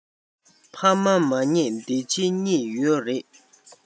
ཕ མ མ མཉེས འདི ཕྱི གཉིས ཡོད རེད